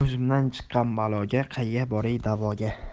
o'zimdan chiqqan baloga qayga boray da'voga